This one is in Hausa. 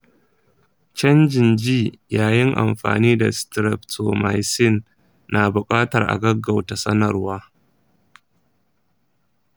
canjin ji yayin amfani da streptomycin na buƙatar a gaggauta sanarwa.